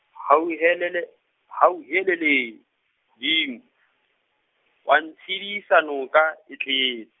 Hauhelele, Hauhelele, Dimo, wa ntshedisa noka e tletse.